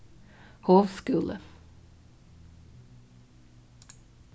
hovs skúli